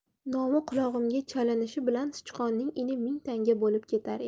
nomi qulog'imizga chalinishi bilan sichqonning ini ming tanga bo'lib ketar edi